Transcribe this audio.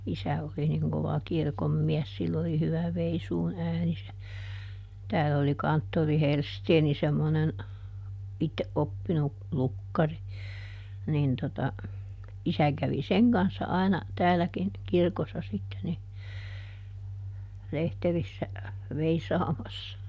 isä oli niin kova kirkonmies sillä oli hyvä veisuun ääni se täällä oli kanttori Hellsten semmoinen itse oppinut lukkari niin tuota isä kävi sen kanssa aina täälläkin kirkossa sitten niin lehterissä veisaamassa